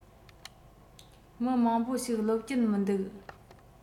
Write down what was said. མི མང པོ ཞིག ལོབས ཀྱིན མི འདུག